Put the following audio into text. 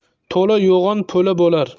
to'la yo'g'on po'la bo'lar